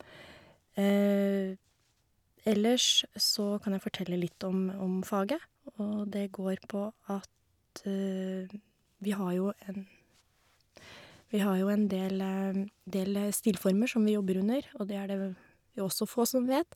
Ellers så kan jeg fortelle litt om om faget, og det går på at vi har jo en vi har jo en del del stilformer som vi jobber under, og det er det v jo også få som vet.